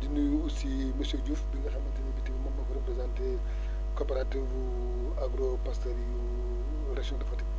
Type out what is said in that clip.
di nuyu aussi monsieur Diouf bu nga xamante ne bi tey moom moo fi représenté coopérative bu agropastorale bu région de Fatick